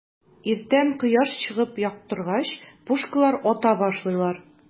Иртән кояш чыгып яктыргач, пушкалар ата башлыйлар.